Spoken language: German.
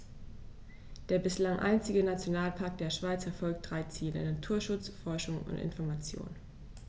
Der bislang einzige Nationalpark der Schweiz verfolgt drei Ziele: Naturschutz, Forschung und Information.